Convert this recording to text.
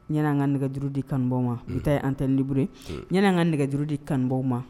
N ɲ anan ka nɛgɛuru di kanubaw ma n an tɛ nibururi n anan ka nɛgɛjuru di kanubaw ma